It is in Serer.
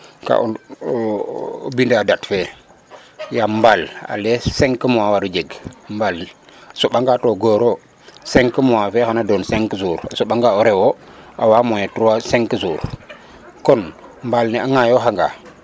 Ka o o mbinda date fe yaam mbaal ale 5 mois waru jeg ,mbaal ne a soɓa to goor o 5 mois fe xana doon 5 jours a soɓa o rew o a waa moin 5 jours kon mbaal ne a ŋaayooxanga .